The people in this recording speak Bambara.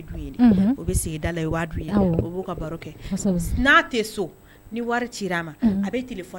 Dun yen de; unhun; o bɛ sigi da la,o b'a dun yen de; awɔ; o b'o ka baro kɛ; kosɛbɛ; N'a tɛ so, ni wari cir'a ma; unhun; a bɛ téléphone